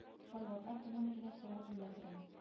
Солдатлар һаман килә тора үлә тора